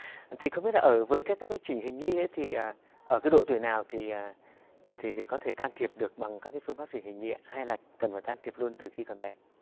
thì không biết là ở với các cái chỉnh hình nhi thì à ở cái độ tuổi nào thì à thì thì thì có thể can thiệp được bằng các phương pháp truyền hình nhi hay là cần phải can thiệp luôn từ khi còn bé